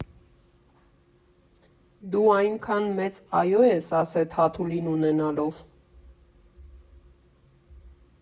«Դու այնքա՜ն մեծ «այո» ես ասել Թաթուլին ունենալով»։